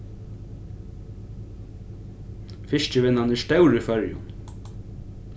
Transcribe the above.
fiskivinnan er stór í føroyum